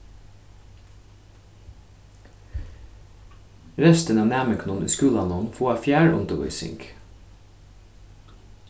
restin av næmingunum í skúlanum fáa fjarundirvísing